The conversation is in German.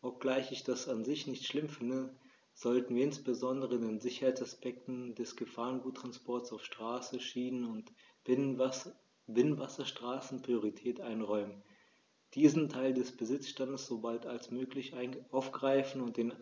Obgleich ich das an sich nicht schlimm finde, sollten wir insbesondere den Sicherheitsaspekten des Gefahrguttransports auf Straße, Schiene und Binnenwasserstraßen Priorität einräumen, diesen Teil des Besitzstands so bald als möglich aufgreifen und den